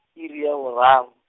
iri ya bararo.